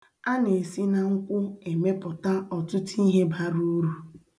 A na-esi na nkwụ emepụta ọtụtụ ihe bara uru.